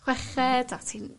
chweched a ti'n